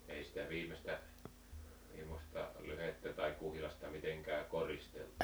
ei sitä viimeistä semmoista lyhdettä tai kuhilasta mitenkään koristeltu